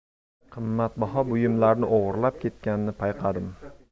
qimmatbaho buyumlarni o'g'irlab ketganini payqadim